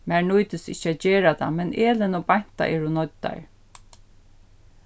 mær nýtist ikki at gera tað men elin og beinta eru noyddar